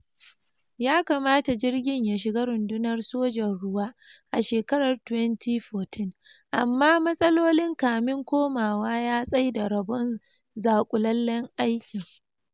Ya kamata jirgin ya shiga Rundunar Sojan ruwa a shekarar 2014, amma matsalolin kamin kawowa ya tsaida rabon zakulalen aikin.